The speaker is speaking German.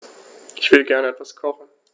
Ich will gerne etwas kochen.